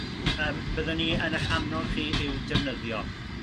yym bydden ni yn eich annog chi i'w defnyddio.